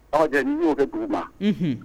Aw' kɛ dugu ma